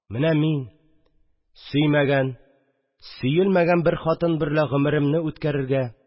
Менә мин – сөймәгән, сөелмәгән бер хатын берлә гомеремне үткәрергә